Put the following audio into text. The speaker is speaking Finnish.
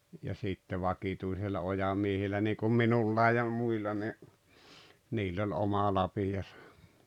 ja sitten vakituisilla ojamiehillä niin kuin minullakin ja muilla niin niillä oli oma lapionsa